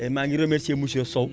et maa ngi remercié monsieur Sow